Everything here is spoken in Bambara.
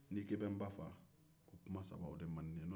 ni i ko k'i bɛ n' ba faga o kuma saba o de man di ne ye